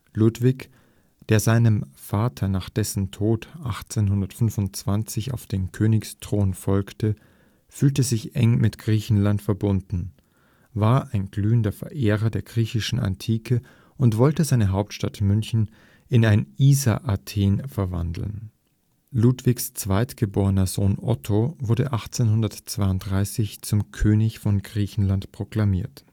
Ludwig, der seinem Vater nach dessen Tod 1825 auf den Königsthron folgte, fühlte sich eng mit Griechenland verbunden, war ein glühender Verehrer der griechischen Antike und wollte seine Hauptstadt München in ein „ Isar-Athen “verwandeln. Ludwigs zweitgeborener Sohn Otto wurde 1832 zum König von Griechenland proklamiert